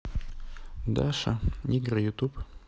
даша игры ютуб